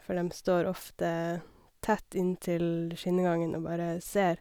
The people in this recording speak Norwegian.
For dem står ofte tett inntil skinnegangen og bare ser.